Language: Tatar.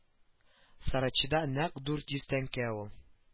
Сорочида нәкъ дүрт йөз тәңкә ул